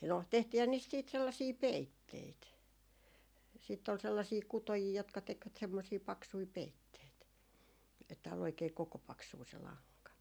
no tehtiinhän niistä sitten sellaisia peitteitä sitten oli sellaisia kutojia jotka tekivät semmoisia paksuja peitteitä että oli oikein kokopaksua se lanka